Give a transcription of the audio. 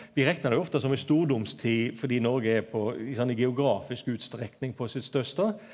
vi reknar det jo ofte som ein stordomstid fordi Noreg er på ikkje sant geografisk utstrekning på sitt største.